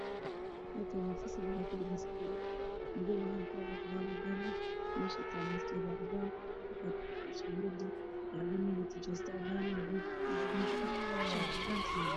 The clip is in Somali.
Halkaan waa fasal waxaa ku dhagan sabuurad madoow ah waxaa ku qoran qoraal cadaan ah meesha midab keedu waa cadaan waxaa sabuurada taagan nin wato jeesto cadaan ah iyo buug binki ah shaar cadaan ah iyo surwaal madoow ah